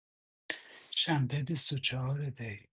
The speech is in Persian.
شنبه ۲۴ دی